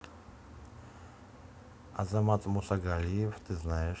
азамат мусагалиев ты знаешь